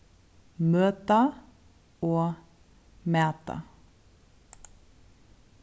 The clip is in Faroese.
møta og mata